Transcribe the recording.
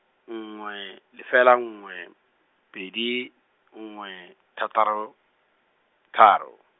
nngwe, lefela nngwe, pedi, nngwe, thataro, tharo.